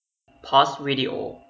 พอสวีดีโอ